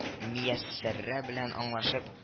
Мияссәррә белән аңлашып